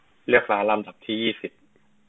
เลือกร้านลำดับที่ยี่สิบ